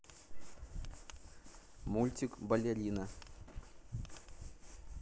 мультик балерина